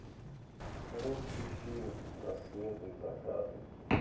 русский фильм рассветы и закаты